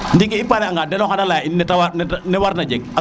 ndiki i pare a nga dene xaya leya in nete ne war na jeg